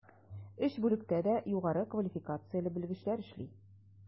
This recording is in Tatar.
Өч бүлектә дә югары квалификацияле белгечләр эшли.